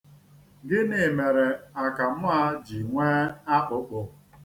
Gịnị mere akamụ a ji nwee akpụkpụ.